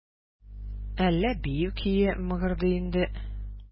Әллә бию көе мыгырдый инде?